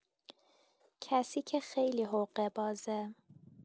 کسی که خیلی حقه بازه